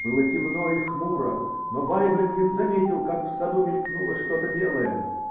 Было темно и хмуро, но Вайблинген заметил, как в саду мелькнуло что-то белое.